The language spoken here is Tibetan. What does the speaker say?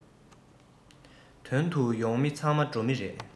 དོན དུ ཡོང མི ཚང མ འགྲོ མི རེད